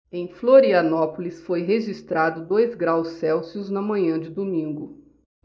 em florianópolis foi registrado dois graus celsius na manhã de domingo